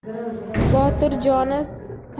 botir joni sabildir